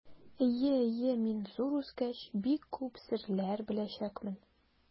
Әйе, әйе, мин, зур үскәч, бик күп серләр беләчәкмен.